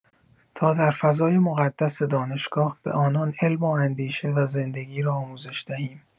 تا در فضای مقدس دانشگاه، به آنان علم و اندیشه و زندگی را آموزش دهیم.